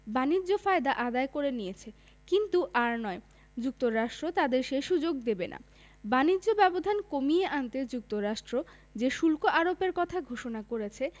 বাণিজ্য ফায়দা আদায় করে নিয়েছে কিন্তু আর নয় যুক্তরাষ্ট্র তাদের সে সুযোগ দেবে না বাণিজ্য ব্যবধান কমিয়ে আনতে যুক্তরাষ্ট্র যে শুল্ক আরোপের কথা ঘোষণা করেছে